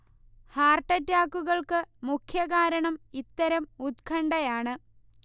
heart അറ്റാക്കുകൾക്കു മുഖ്യ കാരണം ഇത്തരം ഉത്കണഠയാണ്